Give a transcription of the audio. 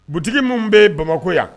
Boutique_ 'minnu bɛ Bamakɔ yan.